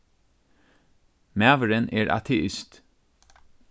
maðurin er ateist